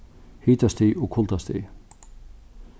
hitastig og kuldastig